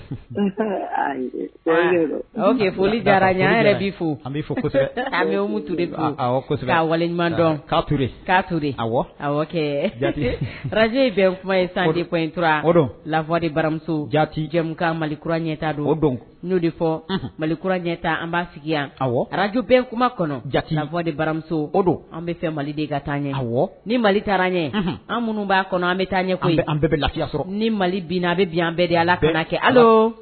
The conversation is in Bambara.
Foli fomu wale ɲumanurur bɛ kuma sa intura lafifa baramuso jajamu ka malikurauran ɲɛ don o don n'o de fɔ mali kura ɲɛ an b'a sigi yan a arajo bɛ kuma kɔnɔ ja fa baramuso o don an bɛ fɛ maliden ka taa ɲɛ ni mali taara an n ɲɛ an minnu b'a kɔnɔ an bɛ taa ɲɛ an bɛɛ lafiya ni mali binna a bɛ bi an bɛɛ ala ka kɛ